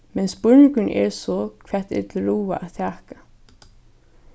men spurningurin er so hvat er til ráða at taka